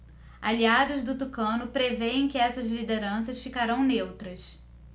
aliados do tucano prevêem que essas lideranças ficarão neutras